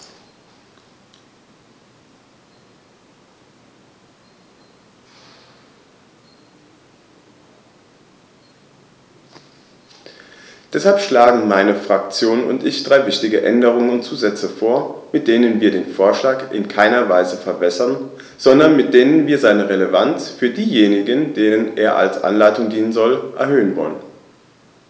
Deshalb schlagen meine Fraktion und ich drei wichtige Änderungen und Zusätze vor, mit denen wir den Vorschlag in keiner Weise verwässern, sondern mit denen wir seine Relevanz für diejenigen, denen er als Anleitung dienen soll, erhöhen wollen.